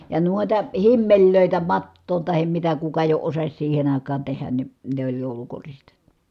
ja noita himmeleitä mattoon tai mitä kuka jo osasi siihen aikaan tehdä niin ne oli joulukoristeita